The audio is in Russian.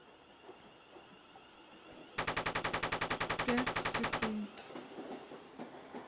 пять секунд